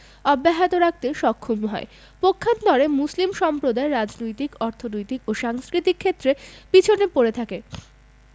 অব্যাহত রাখতে সক্ষম হয় পক্ষান্তরে মুসলিম সম্প্রদায় রাজনৈতিক অর্থনৈতিক ও সাংস্কৃতিক ক্ষেত্রে পেছনে পড়ে থাকে